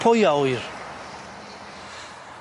Pwy a ŵyr?